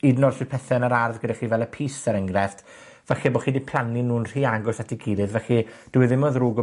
hyd yn o'd os yw pethe yn yr ardd gyda chi fel y pys, er enghrefft, falle bo' chi 'di plannu nw'n rhy agos at 'i gilydd, felly dyw e ddim yn ddrwg o